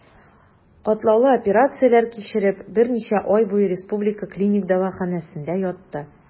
Катлаулы операцияләр кичереп, берничә ай буе Республика клиник дәваханәсендә ятты.